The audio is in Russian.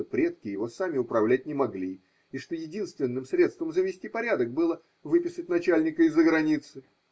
что предки его сами управлять не могли и что единственным средством завести порядок было выписать начальника из-за границы.